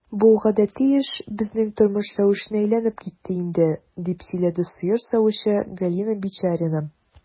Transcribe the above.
Бу гадәти эш, безнең тормыш рәвешенә әйләнеп китте инде, - дип сөйләде сыер савучы Галина Бичарина.